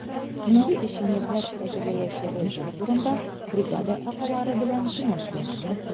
Нинди эчемлекләр әзерләячәгегез турында бригада әгъзалары белән киңәшләш.